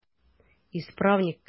Исправник керә.